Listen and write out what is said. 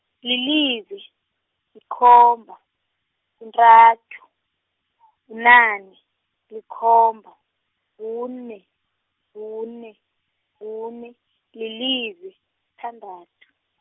lilize, yikomba, kuntathu , bunane, likhomba, kune, kune, kune, lilize, sithandathu.